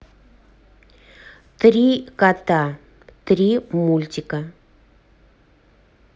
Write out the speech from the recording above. три кота три мультика